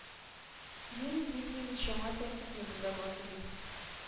Юрий дмитриевич яңа тәртипне бозарга тели